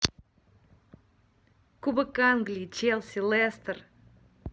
кубок англии челси лестер